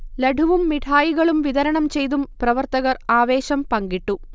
ലഡുവും മിഠായികളും വിതരണംചെയ്തും പ്രവർത്തകർ ആവേശം പങ്കിട്ടു